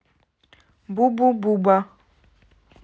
бубу буба